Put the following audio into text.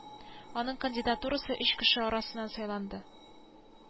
Аның кандидатурасы өч кеше арасыннан сайланды